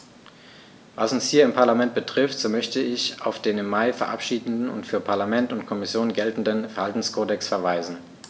Was uns hier im Parlament betrifft, so möchte ich auf den im Mai verabschiedeten und für Parlament und Kommission geltenden Verhaltenskodex verweisen.